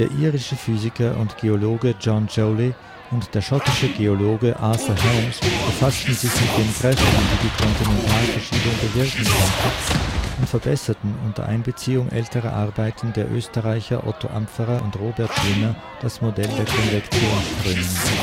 irische Physiker und Geologe John Joly und der schottische Geologe Arthur Holmes befassten sich mit den Kräften, die die Kontinentalverschiebung bewirken konnten, und verbesserten, unter Einbeziehung älterer Arbeiten der Österreicher Otto Ampferer und Robert Schwinner, das Modell der Konvektionsströmungen